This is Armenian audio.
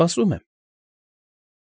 Սպասում եմ։